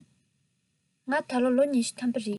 ང ད ལོ ལོ ཉི ཤུ ཐམ པ རེད